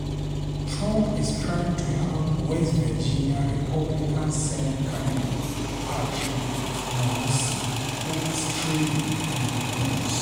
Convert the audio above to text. Trump is trying to help West Virginia Republican Senate candidate Patrick Morrisey, who is trailing in the polls.